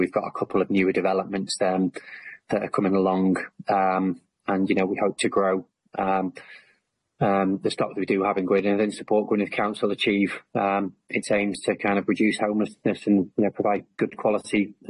we've got a couple of new developments that are um coming along and you know we hope to grow yym yym there's lot that we do have in Gwynedd and then support Gwynedd Council the chief yym it aims to kind of reduce homelessness and y'know provide good quality